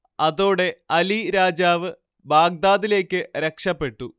അതോടെ അലി രാജാവ് ബാഗ്ദാദിലേക്ക് രക്ഷപെട്ടു